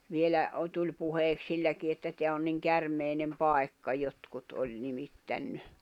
vielä - tuli puheeksi silläkin että tämä on niin käärmeinen paikka jotkut oli nimittänyt